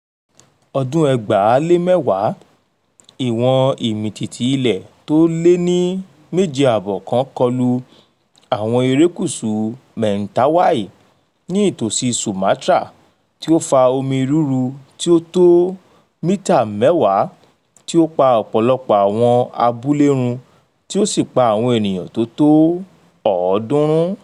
Ọdún 2010: Ìwọ̀n ìmìtìtì ilẹ̀ tó lé ní 7.5 kan kọlu àwọn erékùsú Mentawai, ní ìtòsí Sumatra, tí ó fa omi rúrú tí ó tó mítà 10 tí ò pa ọ̀pọ̀lọpọ̀ àwọn abúlé run ti ó sì pa àwọn ènìyàn tó tó 300.